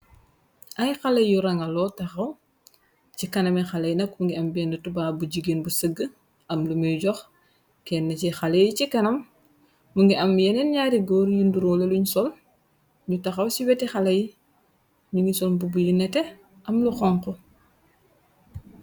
Ay haley yu ranga loo tahaw ci kanami haley yi nak mu ngi am benn tubaa bu jigéen bu sëgg am lumi joh kenn chi haley yi ci kanam. Mu ngi am yeneen ñaari goor yu nduroole luñ sol ñu tahaw ci weti haley yi, ñu ngi sol mbub yi nete am lo honku.